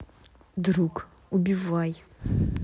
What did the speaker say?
друг убивай